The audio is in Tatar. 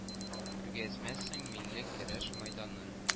Күргәзмәсен, милли көрәш мәйданын